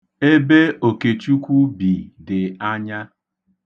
Ebe Okechukwu bi dị anya.